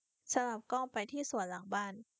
สลับกล้องไปที่สวนหลังบ้าน